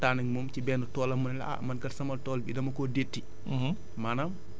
wala nga kii waxtaan ak moom ci benn toolam mu ne la ah man kat sama tool bi dama ko détti